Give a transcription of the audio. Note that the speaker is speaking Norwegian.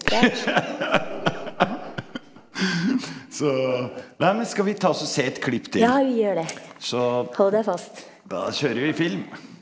så nei men skal vi ta også se et klipp til så, da kjører vi i film.